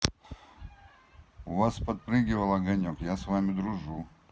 у вас подпрыгивал огонек я с вами дружу